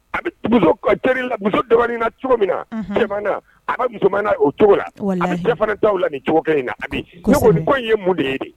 A bɛ muso in na cogo min na a bɛ musoman o cogo la a bɛ dafa t' la ni cogo in ne ni in ye mun de ye